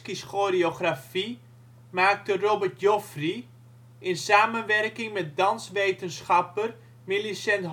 's choreografie maakte Robert Joffrey (1987) in samenwerking met danswetenschapper Millicent